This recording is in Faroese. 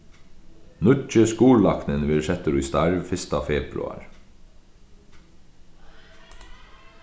nýggi skurðlæknin verður settur í starv fyrsta februar